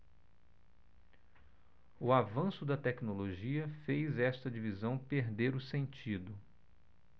o avanço da tecnologia fez esta divisão perder o sentido